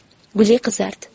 guli qizardi